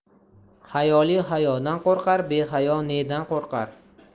hayoli hayodan qo'rqar behayo nedan qo'rqar